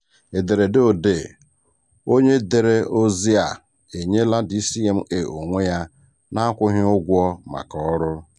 Ederede odee: Onye dere ozi a enyeela DCMA onwe ya na akwụghị ụgwọ maka ọrụ.